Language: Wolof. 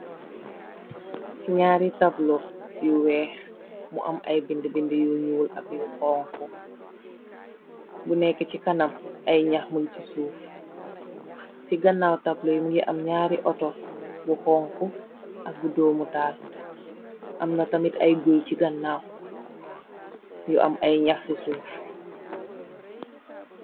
Naari tablo yu weex mu am ay benda benda yu weex ak yu xonxu bo neka si kanam ay nhaax nyung si suuf si ganaw tablo yi mogi am naari auto bu xonxu ak bu domital amna tamit ay guuye si ganaw yu am ay nhaax si suuf.